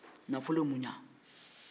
nafolo ye mun ɲɛ